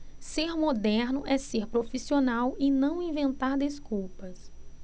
ser moderno é ser profissional e não inventar desculpas